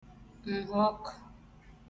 ǹhọkụ̄